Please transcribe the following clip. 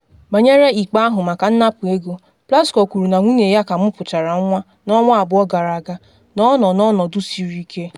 Banyere ikpe ahụ maka “nnapụ ego,” Plasco kwuru na nwunye ya ka mụchapụrụ nwa n’ọnwa abụọ gara aga, na ọ nọ “n’ọnọdụ siri ike.”